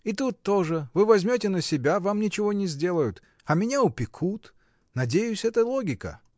И тут тоже: вы возьмете на себя, вам ничего не сделают, а меня упекут — надеюсь, это логика!